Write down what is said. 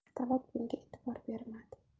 talat bunga etibor bermadi